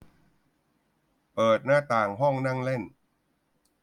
เปิดหน้าต่างห้องนั่งเล่น